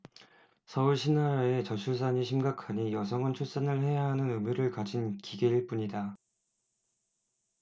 서울시나라의 저출산이 심각하니 여성은 출산을 해야 하는 의무를 가진 기계일 뿐이다